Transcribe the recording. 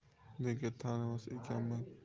nega tanimas ekanman